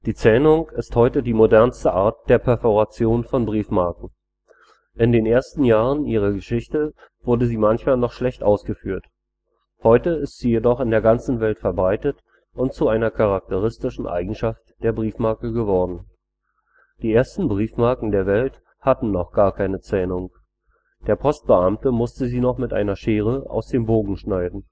Zähnung ist heute die modernste Art der Perforation von Briefmarken. In den ersten Jahren ihrer Geschichte wurde sie manchmal noch schlecht ausgeführt. Heute ist sie jedoch in der ganzen Welt verbreitet und zu einer charakteristischen Eigenschaft der Briefmarke geworden. Die ersten Briefmarken der Welt hatten noch gar keine Zähnung. Der Postbeamte musste sie noch mit einer Schere aus dem Bogen schneiden